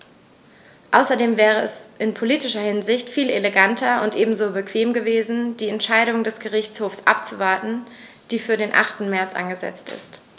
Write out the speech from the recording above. Außerdem wäre es in politischer Hinsicht viel eleganter und ebenso bequem gewesen, die Entscheidung des Gerichtshofs abzuwarten, die für den 8. März angesetzt ist.